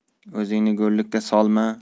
o'zingni go'llikka solma